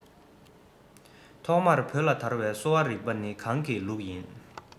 ཐོག མར བོད ལ དར བའི གསོ བ རིག པ ནི གང གི ལུགས ཡིན